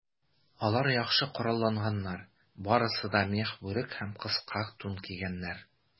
Алар яхшы коралланганнар, барысы да мех бүрек һәм кыска тун кигәннәр.